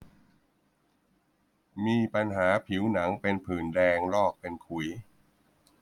มีปัญหาผิวหนังเป็นผื่นแดงลอกเป็นขุย